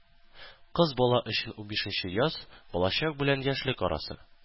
Кыз бала өчен унбишенче яз балачак белән яшьлек арасы.